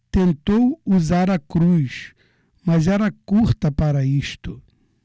tentou usar a cruz mas era curta para isto